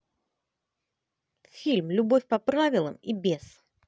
фильм любовь по правилам и без